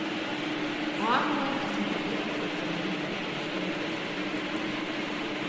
áhugin at seta búgv í kommununi er stórur